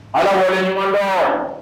Ala wale ɲuman dɔn.